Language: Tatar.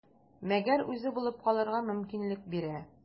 Мәгәр үзе булып калырга мөмкинлек бирә.